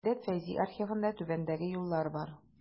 Җәүдәт Фәйзи архивында түбәндәге юллар бар.